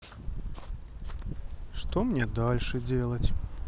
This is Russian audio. что мне дальше делать